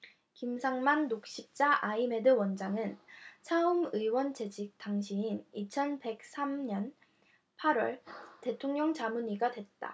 김상만 녹십자아이메드 원장은 차움의원 재직 당시인 이천 백 삼 년 팔 월 대통령 자문의가 됐다